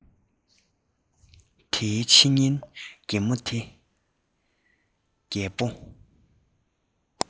དེའི ཕྱི ཉིན རྒན མོ དེས རྒད པོ